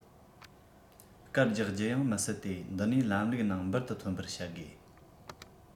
སྐར རྒྱག རྒྱུ ཡང མི སྲིད དེ འདི ནས ལམ ལུགས ནང འབུར དུ ཐོན པར བྱ དགོས